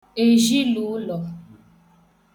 èjilụ̀ụlò